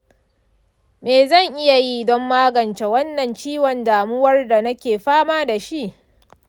me zan iya yi don magance wannan ciwon damuwar da nake fama da shi.